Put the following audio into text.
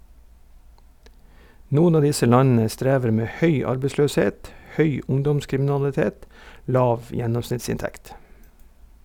Noen av disse landene strever med høy arbeidsløshet , høy ungdomskriminalitet, lav gjennomsnittsinntekt.